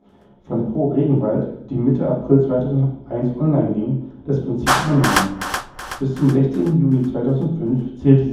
von Pro REGENWALD, die Mitte April 2001 online ging, das Prinzip übernommen. Bis zum 16. Juni 2005 zählte